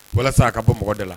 Walasa a ka bɔ mɔgɔda la